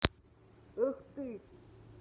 эх ты